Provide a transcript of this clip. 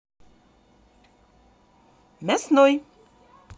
мясной